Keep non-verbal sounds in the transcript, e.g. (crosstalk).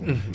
(hesitation) (hesitation)